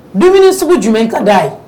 Dumuni sugu jumɛn ka d'a ye?